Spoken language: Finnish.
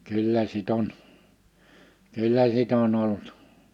kyllä sitten on kyllä sitten on ollut